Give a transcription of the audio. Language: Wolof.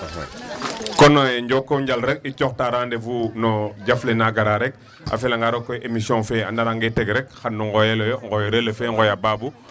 kon